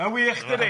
Ma'n wych, dydi?